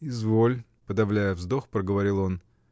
— Изволь, — подавляя вздох, проговорил он.